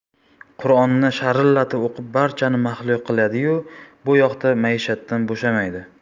qur'onni sharillatib o'qib barchani mahliyo qiladi yu bu yoqda maishatdan bo'shamaydi